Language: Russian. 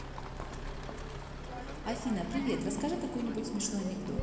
афина привет расскажи какой нибудь смешной анекдот